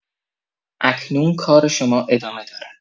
اکنون کار شما ادامه دارد.